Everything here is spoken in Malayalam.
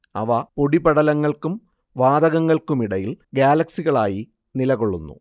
അവ പൊടിപടലങ്ങൾക്കും വാതകങ്ങൾക്കുമിടയിൽ ഗ്യാലക്സികളായി നിലകൊള്ളുന്നു